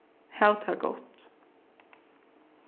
hav tað gott